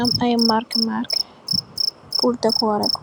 am ay marké marké purr dekorè ko.